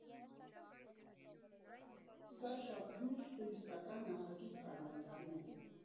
Սա շատ լուրջ տուրիստական նախագիծ կարող է դառնալ.